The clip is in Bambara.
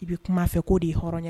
I bɛ kuma fɛ k'o de ye hɔrɔn ye